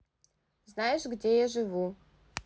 знаешь где я живу